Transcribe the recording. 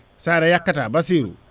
Sara yakkata Bassirou